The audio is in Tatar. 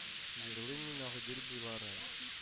Җырлыйм мин Агыйдел буйларын